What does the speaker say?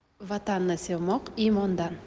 vatanni sevmoq iymondan